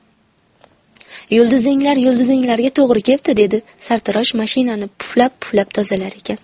yulduzinglar yulduzlaringga to'g'ri kepti dedi sartarosh mashinani puflab puflab tozalar ekan